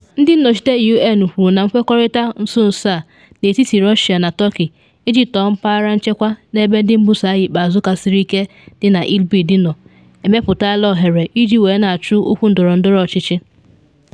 Ndị nnọchite UN kwuru na nkwekọrịta nso nso a n’etiti Russia na Turkey iji tọọ mpaghara nchekwa n’ebe ndị mbuso agha ikpeazụ ka siri ike dị na Idlib nọ emepụtala ohere ij wee na achụ okwu ndọrọndọrọ ọchịchị.